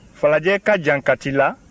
falajɛ ka jan kati la